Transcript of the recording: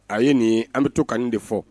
A ye nin an bɛ to ka de fɔ